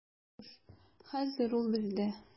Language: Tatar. Хуш, хәзер ул бездә.